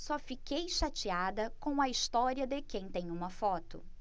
só fiquei chateada com a história de que tem uma foto